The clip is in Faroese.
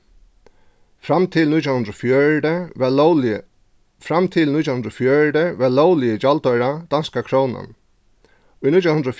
fram til nítjan hundrað og fjøruti var lógligi fram til nítjan hundrað og fjøruti var lógligi gjaldoyrað danska krónan í nítjan hundrað og